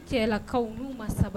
Cɛlakaw n'u ma saba